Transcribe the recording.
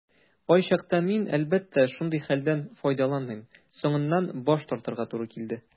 Кайчакта мин, әлбәттә, шундый хәлдән файдаландым - соңыннан баш тартырга туры килде.